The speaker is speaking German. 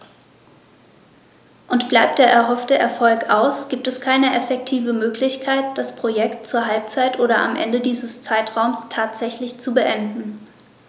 Und bleibt der erhoffte Erfolg aus, gibt es keine effektive Möglichkeit, das Projekt zur Halbzeit oder am Ende dieses Zeitraums tatsächlich zu beenden.